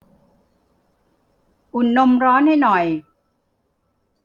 อุ่นนมร้อนให้หน่อย